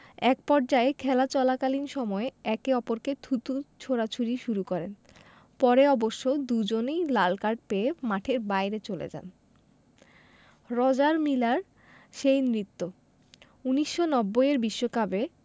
একপর্যায়ে খেলা চলাকালীন সময়েই একে অপরকে থুতু ছোড়াছুড়ি শুরু করেন পরে অবশ্য দুজনই লাল কার্ড পেয়ে মাঠের বাইরে চলে যান রজার মিলার সেই নৃত্য ১৯৯০ এর বিশ্বকাপে